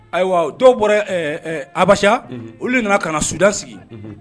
Ayiwa dɔw bɔra ɛɛ, Absa, olu nana ka na Sudan sigi.